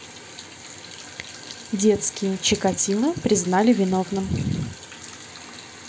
детские чикатило признали виновным